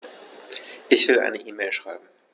Ich will eine E-Mail schreiben.